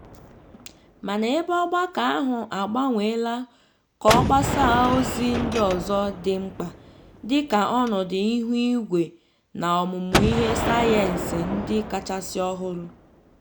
Mana ebe ọgbakọ ahụ agbanwela ka o gbasa ozi ndị ọzọ dị mkpa, dị ka ọnọdụ ihu igwe na omume ihe sayensị ndị kachasị ọhụrụ.